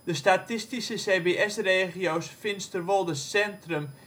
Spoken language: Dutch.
statistische CBS-regio 's Finsterwolde-Centrum